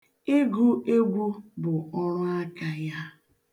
Ịgụ egwu bụ ọrụaka ya.